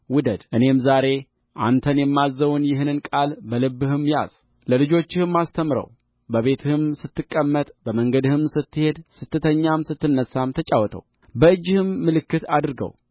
ውደድእኔም ዛሬ አንተን የማዝዘውን ይህን ቃል በልብህ ያዝለልጆችህም አስተምረው በቤትህም ስትቀመጥ በመንገድም ስትሄድ ስትተኛም ስትነሣም ተጫወተውበእጅህም ምልክት አድርገህ